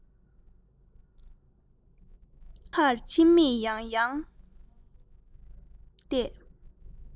གླིང གར ཕྱིར མིག ཡང ཡང འཕངས